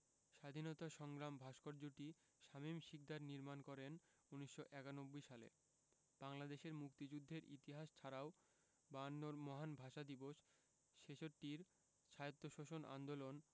স্বাধীনতা সংগ্রাম ভাস্কর্যটি শামীম শিকদার নির্মাণ করেন ১৯৯১ সালে বাংলাদেশের মুক্তিযুদ্ধের ইতিহাস ছাড়াও বায়ান্নর মহান ভাষা দিবস ছেষট্টির স্বায়ত্তশাসন আন্দোলন